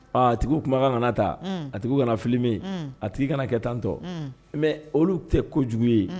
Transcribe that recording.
Tigi kumakan kana ta a tigi kana filimi a tigi kana kɛ tantɔ mɛ olu tɛ ko jugu ye